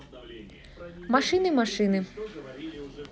машины машины